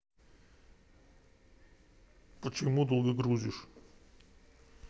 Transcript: почему долго грузишь